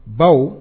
Baw